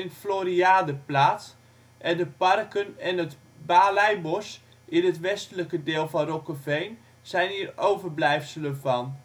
Floriade plaats en de parken en het Balijbos in het westelijke deel van Rokkeveen zijn hier overblijfselen van